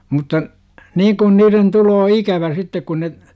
mutta niin kun niiden tulee ikävä sitten kun ne